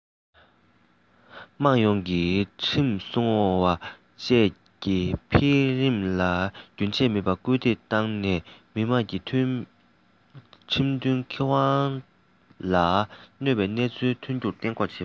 དམངས ཡོངས ཀྱིས ཁྲིམས སྲུང བ བཅས ཀྱི འཕེལ རིམ ལ རྒྱུན ཆད མེད པར སྐུལ འདེད བཏང ནས མང ཚོགས ཀྱི ཁྲིམས མཐུན ཁེ དབང ལ གནོད པའི གནས ཚུལ ཐོན རྒྱུ གཏན འགོག བྱེད དགོས